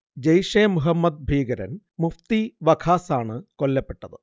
ജെയ്ഷെ മുഹമ്മദ് ഭീകരൻ മുഫ്തി വഖാസ് ആണ് കൊല്ലപ്പെട്ടത്